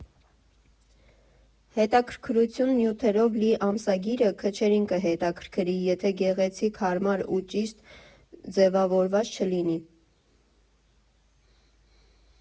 Հետաքրքրագույն նյութերով լի ամսագիրը քչերին կհետաքրքրի, եթե գեղեցիկ, հարմար ու ճիշտ ձևավորված չլինի։